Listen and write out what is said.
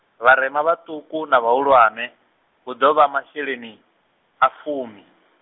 vharema vhatuka na vhahulwane, hu ḓo vha masheleni, a fumi.